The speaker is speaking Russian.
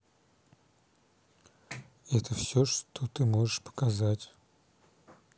это все что ты можешь показать